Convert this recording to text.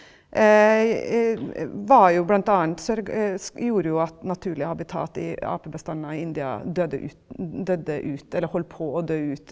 var jo bl.a. gjorde jo at naturlig habitat i apebestander i India døde ut døde ut eller holdt på å dø ut.